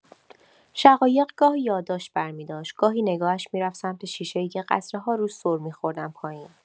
شقایق گاهی یادداشت برمی‌داشت، گاهی نگاهش می‌رفت سمت شیشه‌ای که قطره‌ها روش سر می‌خوردن پایین.